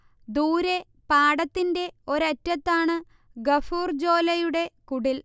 ദൂരെ പാടത്തിന്റെ ഒരറ്റത്താണ് ഗഫൂർ ജോലയുടെ കുടിൽ